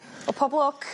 Wel pob lwc.